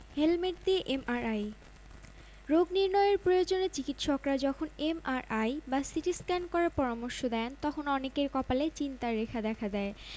helmet দিয়ে MRI রোগ নির্নয়ের প্রয়োজনে চিকিত্সকরা যখন এমআরআই বা সিটিস্ক্যান করার পরামর্শ দেন তখন অনেকের কপালে চিন্তার রেখা দেখা দেয়